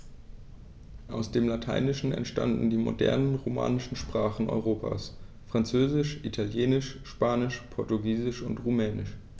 Aus dem Lateinischen entstanden die modernen „romanischen“ Sprachen Europas: Französisch, Italienisch, Spanisch, Portugiesisch und Rumänisch.